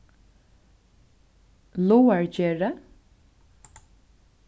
lágargerði